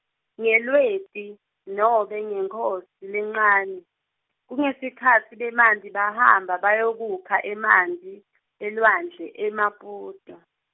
NgeLweti, nobe ngeNkhosi lencane, kungesikhatsi bemanti bahamba bayokukha emanti, elwandle, eMaputo.